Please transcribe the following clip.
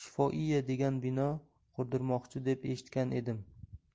bino qurdirmoqchi deb eshitgan edim